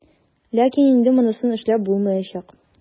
Ләкин инде монысын эшләп булмаячак.